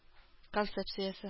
Концепциясе